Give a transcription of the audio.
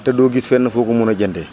te doo gis fenn foo ko mun a jëndee